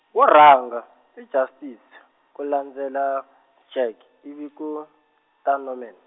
wo rhanga, i Justice, ku landzela, Jack, ivi ku, ta Norman.